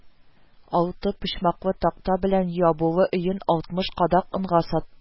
Алты почмаклы, такта белән ябулы өен алтмыш кадак онга сатты